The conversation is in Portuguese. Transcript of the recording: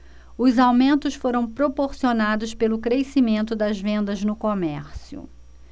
os aumentos foram proporcionados pelo crescimento das vendas no comércio